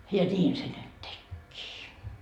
ja niin se nyt tekikin